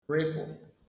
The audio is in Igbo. rịpụ̀